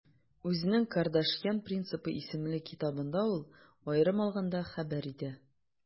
Үзенең «Кардашьян принципы» исемле китабында ул, аерым алганда, хәбәр итә: